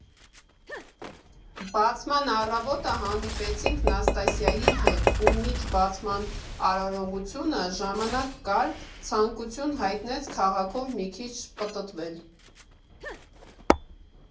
Բացման առավոտը հանդիպեցինք Նաստասիայի հետ, ու մինչ բացման արարողությունը ժամանակ կար, ցանկություն հայտնեց քաղաքով մի քիչ պտտվել։